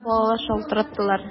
Балалар шалтыраттылар!